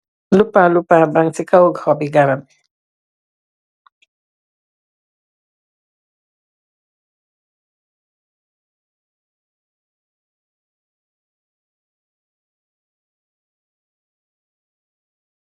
Lupa lupa ba'ngi ci kaw xóbi garap.